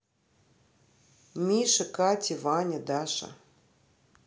миша катя ваня даша